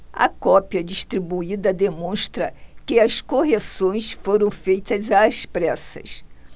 a cópia distribuída demonstra que as correções foram feitas às pressas